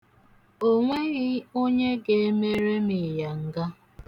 Onweghị onye ga-emere m ịnyanga.